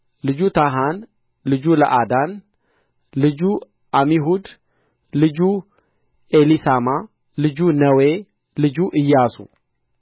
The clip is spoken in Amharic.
ልጁ ታሐን ልጁ ለአዳን ልጁ ዓሚሁድ ልጁ ኤሊሳማ ልጁ ነዌ ልጁ ኢያሱ